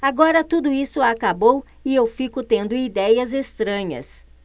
agora tudo isso acabou e eu fico tendo idéias estranhas